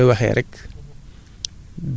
parce que comme ni ñu koy waxee rekk